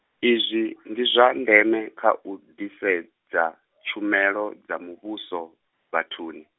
izwi ndi zwa ndeme kha u ḓisedza, tshumelo dza muvhuso, vhathuni.